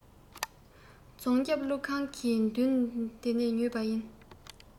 རྫོང རྒྱབ ཀླུ རྒྱབ ཁང གི མདུན དེ ནས ཉོས པ ཡིན